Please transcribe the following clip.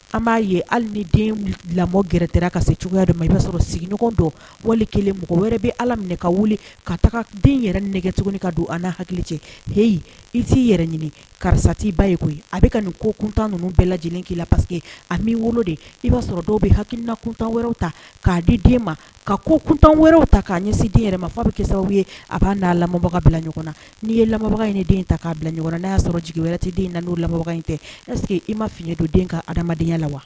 An b'a ye hali ni den lamɔ gɛrɛ ka se cogoyaya don i b'a sɔrɔ sigiɲɔgɔn dɔ wali kelen mɔgɔ wɛrɛ bɛ ala minɛ ka wuli ka taga den yɛrɛ nɛgɛ tuguni ka don an' hakili cɛ heyi i t'i yɛrɛ ɲini karisati i ba ye koyi a bɛ ka nin ko kuntan ninnu bɛɛ lajɛlen k'i la paseke a min wolo de i b'a sɔrɔ dɔw bɛ hakiinakuntan wɛrɛ ta k'a di den ma ka ko kuntan wɛrɛw ta k'a ɲɛ si den yɛrɛma ma fɔ bɛ kɛ sababu ye a' n'a lamɔbagaw bila ɲɔgɔn na n'i ye lamɔ ɲini den ta k'a bila ɲɔgɔn n'a'a sɔrɔ jigi wɛrɛ tɛ den na' o in tɛ ɛseke i ma fiɲɛ don den ka adamadamadenyaya la wa